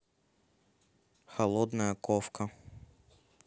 холодная ковка